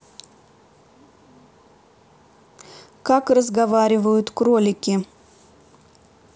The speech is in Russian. как разговаривают кролики